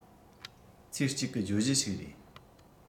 ཚེ གཅིག གི བརྗོད གཞི ཞིག རེད